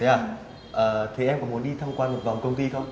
thế ờ thế em muốn đi tham quan một vòng công ty không